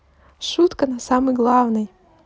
шутка на самый главный